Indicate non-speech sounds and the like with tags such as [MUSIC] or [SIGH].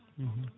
[HESITATION] [HESITATION]